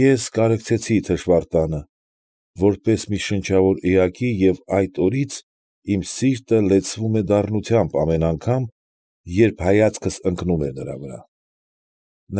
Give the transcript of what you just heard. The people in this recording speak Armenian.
Ես կարեկցեցի թշվառ տանը՝ որպես մի շնչավոր էակի և այդ օրից իմ սիրտը լեցվում էր դառնությամբ ամեն անգամ, երբ հայացքս ընկնում էր նրա վրա։